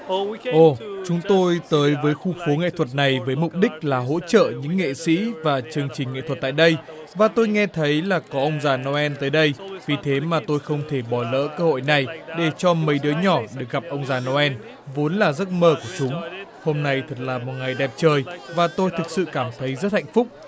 ồ chúng tôi tới với khu phố nghệ thuật này với mục đích là hỗ trợ những nghệ sĩ và chương trình nghệ thuật tại đây và tôi nghe thấy là có ông già nô el tới đây vì thế mà tôi không thể bỏ lỡ cơ hội này để cho mấy đứa nhỏ được gặp ông già nô el vốn là giấc mơ của chúng hôm nay thật là một ngày đẹp trời và tôi thực sự cảm thấy rất hạnh phúc